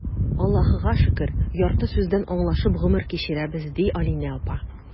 Аллаһыга шөкер, ярты сүздән аңлашып гомер кичерәбез,— ди Алинә апа.